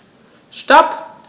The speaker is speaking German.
Stop.